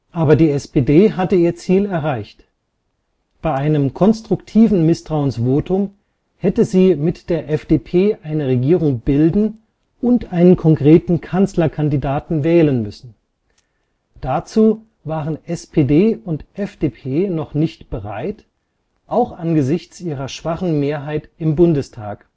Aber die SPD hatte ihr Ziel erreicht: Bei einem konstruktiven Misstrauensvotum hätte sie mit der FDP eine Regierung bilden und einen konkreten Kanzlerkandidaten wählen müssen. Dazu waren SPD und FDP noch nicht bereit, auch angesichts ihrer schwachen Mehrheit im Bundestag